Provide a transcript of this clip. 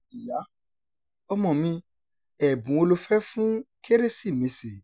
Ìyá: Ọmọ mi, ẹ̀bùn wo lo fẹ́ fún Kérésìmesì?